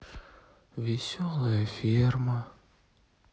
веселая ферма